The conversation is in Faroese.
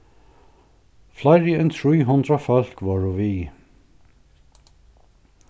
fleiri enn trý hundrað fólk vóru við